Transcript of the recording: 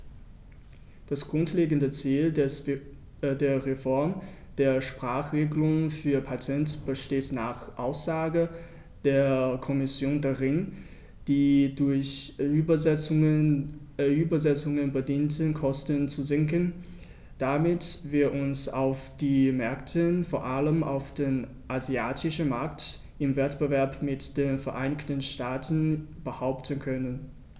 Das grundlegende Ziel der Reform der Sprachenregelung für Patente besteht nach Aussage der Kommission darin, die durch Übersetzungen bedingten Kosten zu senken, damit wir uns auf den Märkten, vor allem auf dem asiatischen Markt, im Wettbewerb mit den Vereinigten Staaten behaupten können.